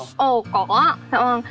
ồ có ạ